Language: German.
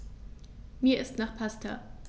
Mir ist nach Pasta.